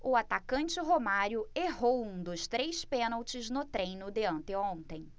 o atacante romário errou um dos três pênaltis no treino de anteontem